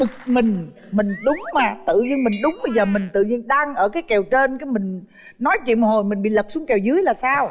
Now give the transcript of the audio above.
bực mình mình đúng mà tự dưng mình đúng bây giờ mình tự dưng đang ở cái kèo trên cái mình nói chuyện một hồi mình bị lật xuống kèo dưới là sao